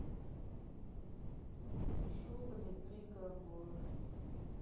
шубный приговор